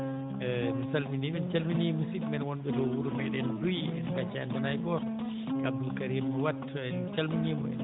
e mi salminii ɓe en calminii musidɓe men won ɓe to wuro meeɗen Duuyi en ngaccaani toon hay gooto Abdoul Karimou Wat en calminii mo